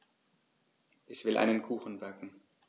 Ich will einen Kuchen backen.